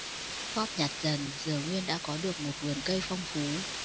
góp nhặt dần giờ nguyên đã có được một vườn cây phong phú